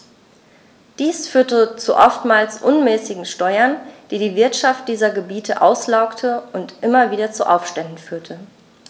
Dies führte zu oftmals unmäßigen Steuern, die die Wirtschaft dieser Gebiete auslaugte und immer wieder zu Aufständen führte.